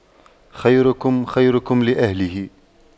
خيركم خيركم لأهله